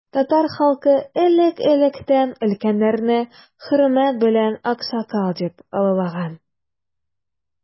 Татар халкы элек-электән өлкәннәрне хөрмәт белән аксакал дип олылаган.